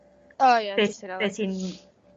O ia be ti'n